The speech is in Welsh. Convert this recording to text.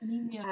Yn union.